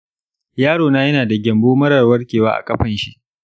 yaro na yana da gyambo mara warkewa a ƙafanshi.